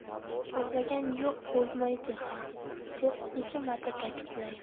bo'lmagan yo'q va bo'lmaydi ham deb necha marta ta'kidlagan